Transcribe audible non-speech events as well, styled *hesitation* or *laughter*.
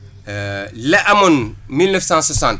*hesitation* la amoon mille neuf cent soixante